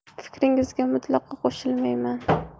fikringizga mutlaqo qo'shilmayman